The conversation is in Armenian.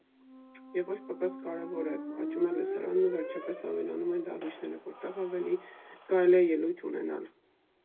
Եվ որ ոչ պակաս կարևոր է, աճում է լսարանն ու վերջապես ավելանում են դահլիճները, որտեղ կարելի է ելույթ ունենալ։